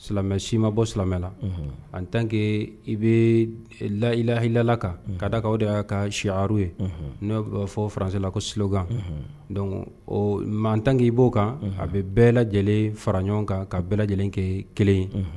Silamɛmɛ si ma bɔ silamɛla an tanke i bɛ layilahila kan ka da o de y'a ka siro ye n'o b'a fɔ fararansela kolokan don ma tankei b'o kan a bɛ bɛɛ lajɛlen fara ɲɔgɔn kan ka bɛɛ lajɛlen kɛ kelen ye